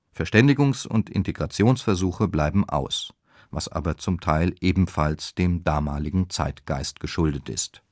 Verständigungs - und Integrationsversuche bleiben aus, was aber zum Teil ebenfalls dem damaligen Zeitgeist geschuldet ist